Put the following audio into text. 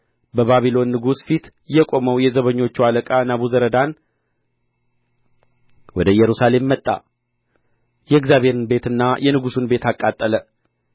በባቢሎን ንጉሥ ፊት የቆመው የዘበኞቹ አለካ ናቡዘረዳን ወደ ኢየሩሳሌም መጣ የእግዚአብሔርን ቤትና የንጉሡን ቤት አቃጠለ